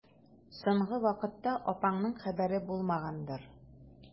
Соңгы вакытта апаңның хәбәре булмагандыр?